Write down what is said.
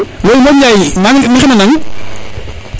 Modou Ndiaye maxey nanang